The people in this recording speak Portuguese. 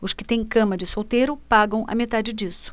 os que têm cama de solteiro pagam a metade disso